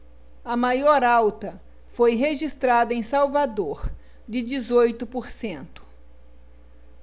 a maior alta foi registrada em salvador de dezoito por cento